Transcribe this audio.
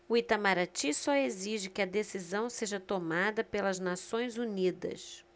o itamaraty só exige que a decisão seja tomada pelas nações unidas